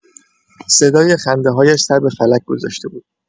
صدای خنده‌هایش سر به فلک گذاشته بود.